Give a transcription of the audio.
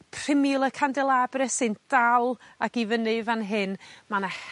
primula candelabra sy'n dal ac i fyny fan hyn ma' 'na